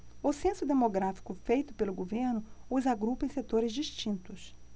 o censo demográfico feito pelo governo os agrupa em setores distintos